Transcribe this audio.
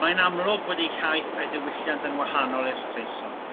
mae'n amlwg fod eu hiaith a'i diwylliant yn wahanol i'r Saeson